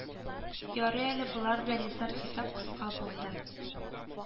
Ярый әле болар белән исәп-хисап кыска булды